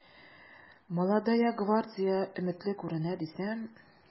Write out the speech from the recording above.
“молодая гвардия” өметле күренә дисәм...